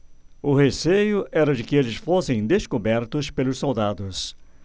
o receio era de que eles fossem descobertos pelos soldados